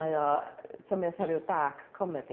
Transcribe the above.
Mae o timod, mae o fatha ryw dark comedy.